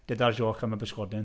Deuda'r jôc am y pysgodyn.